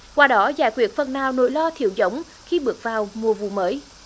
qua đó giải quyết phần nào nỗi lo thiếu giống khi bước vào mùa vụ mới